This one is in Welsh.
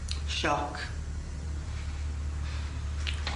Sioc.